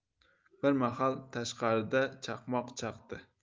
bir mahal tashqarida chaqmoq chaqdi